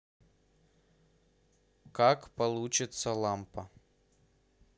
как получится лампа